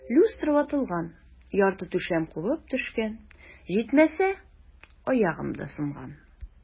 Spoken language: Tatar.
Люстра ватылган, ярты түшәм кубып төшкән, җитмәсә, аягым да сынган.